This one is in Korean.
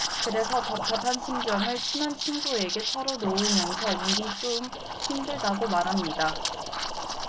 그래서 답답한 심정을 친한 친구에게 털어놓으면서 일이 좀 힘들다고 말합니다